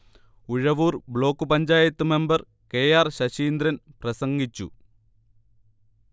Uzhavoor block panchayat member K. R. Saseendran പ്രസംഗിച്ചു